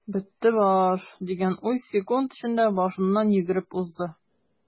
"бетте баш” дигән уй секунд эчендә башыннан йөгереп узды.